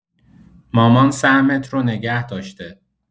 مامان سهمت رو نگه داشته.